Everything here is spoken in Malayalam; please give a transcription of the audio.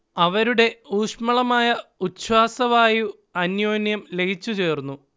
അവരുടെ ഊഷ്മളമായ ഉച്ഛ്വാസവായു അന്യോന്യം ലയിച്ചു ചേർന്നു